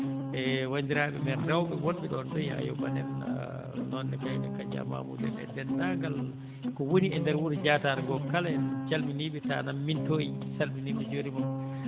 e wanndiraaɓe men rewɓe wonɓe ɗon ɗo yaye Yubba en noone kayne Kadia Mamoudou en e denndaangal ko woni e ndeer wuro Diatar ngoo kala en calminii ɓe tanam Mintoy salminii ɓe min njuuriima ɓe